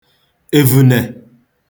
èvùnè